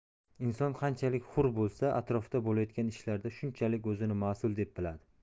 inson qanchalik hur bo'lsa atrofda bo'layotgan ishlarda shunchalik o'zini mas'ul deb biladi